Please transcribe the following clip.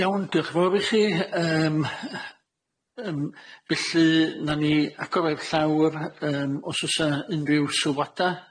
Iawn diolch yn fawr i chi yym yym felly nawn ni agor o i'r llawr yym os o'sa unrhyw sylwada.